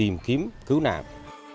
tìm kiếm cứu nạn